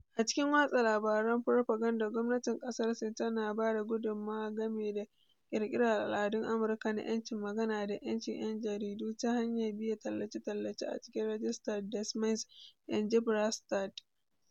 "A cikin watsa labaran furofaganda, gwamnatin kasar Sin tana ba da gudummawa game da kirkirar al'adun Amurka na ‘yancin magana da ‘yancin yan jaridu ta hanyar biyan tallace-tallace a cikin Ragista Des Moines," in ji Branstad.